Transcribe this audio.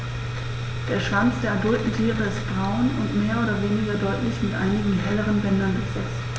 Der Schwanz der adulten Tiere ist braun und mehr oder weniger deutlich mit einigen helleren Bändern durchsetzt.